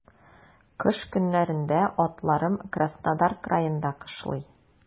Кыш көннәрендә атларым Краснодар краенда кышлый.